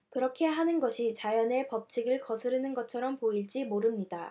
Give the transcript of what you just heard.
그렇게 하는 것이 자연의 법칙을 거스르는 것처럼 보일지 모릅니다